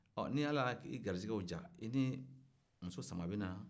ni ala y'i ka garijigɛw diya i ni muso sama bɛ na